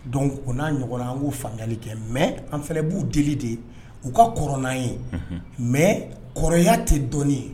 Don ko' ɲɔgɔn an b'u fanli kɛ mɛ an fana b'u deli de u ka k ye mɛ kɔrɔya tɛ dɔnnii ye